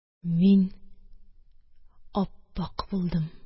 Мин ап-ак булдым.